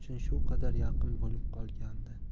shu qadar yaqin bo'lib qolgandi